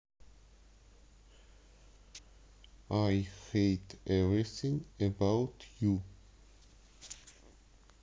ай хейт эврисин эбаут ю